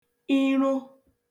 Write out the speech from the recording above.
iro